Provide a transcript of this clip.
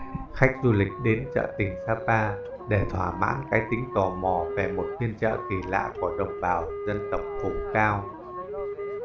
khách du lịch đến chợ tình sapa để thỏa mãn cái tính tò mò về một phiên chợ kỳ lạ của đồng bào dân tộc vùng cao